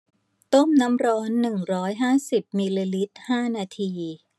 ต้มน้ำร้อนหนึ่งร้อยห้าสิบมิลลิลิตรห้านาที